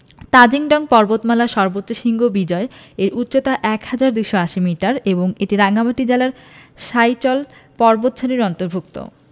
তাজিং ডং পর্বতমালার সর্বোচ্চ শৃঙ্গ বিজয় এর উচ্চতা ১হাজার ২৮০ মিটার এবং এটি রাঙ্গামাটি জেলার সাইচল পর্বতসারির অন্তর্ভূক্ত